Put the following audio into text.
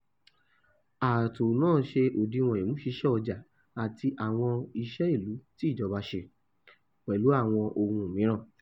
Ààtò náà ṣe òdiwọ̀n ìmúṣiṣẹ́ ọjà àti àwọn iṣẹ́ ìlú tí ìjọba ṣe, pẹ̀lú àwọn ohun mìíràn.